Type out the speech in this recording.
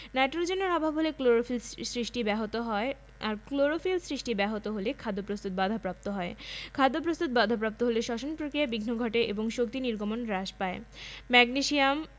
নাইট্রোজেনের অভাব হলে ক্লোরোফিল সৃষ্টি ব্যাহত হয় আর ক্লোরোফিল সৃষ্টি ব্যাহত হলে খাদ্য প্রস্তুত বাধাপ্রাপ্ত হয় খাদ্যপ্রস্তুত বাধাপ্রাপ্ত হলে শ্বসন প্রক্রিয়ায় বিঘ্ন ঘটে এবং শক্তি নির্গমন হ্রাস পায় ম্যাগনেসিয়াম